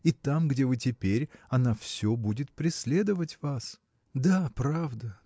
и там, где вы теперь, она все будет преследовать вас. – Да, правда